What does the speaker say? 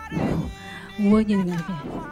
Nb'o ɲininkali kɛ